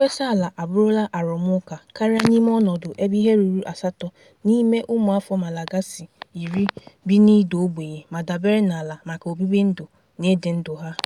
Mkpesa ala abụrụla arụmụka karịa n'ime ọnọdụ ebe ihe ruru asatọ n'ime ụmụafọ Malagasy 10 bi n'ịda ogbenye ma dabere n'ala maka obibindụ na ịdị ndụ ha.